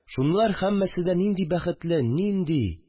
Шунлар һәммәсе дә нинди бәхетле, нинди